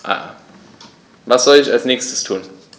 Was soll ich als Nächstes tun?